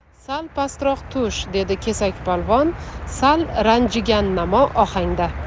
sal pastroq tush dedi kesakpolvon sal ranjigannamo ohangda